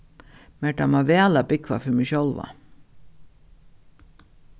mær dámar væl at búgva fyri meg sjálva